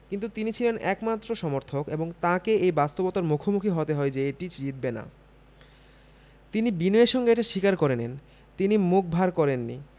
কিন্তু তিনি ছিলেন একমাত্র সমর্থক এবং তাঁকে এই বাস্তবতার মুখোমুখি হতে হয় যে এটি জিতবে না তিনি বিনয়ের সঙ্গে এটা স্বীকার করে নেন তিনি মুখ ভার করেননি